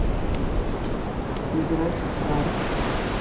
играть в шар